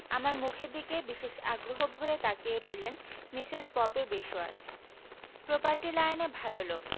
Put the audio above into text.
আমার মুখের দিকে বিশেষ আগ্রহভরে তাকিয়ে রইলেন মিসেস পপি বিশোয়াস প্রপারটি লাইনে ভালো লোক